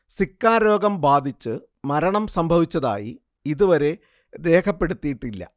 Zika രോഗം ബാധിച്ചു മരണം സംഭവിച്ചതായി ഇതുവരെ രേഖപ്പെടുത്തിയിട്ടില്ല